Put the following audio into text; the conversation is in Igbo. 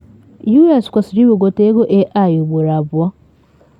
U.S. kwesịrị iwegote ego A.I. ugboro abụọ